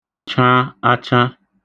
cḣa acḣa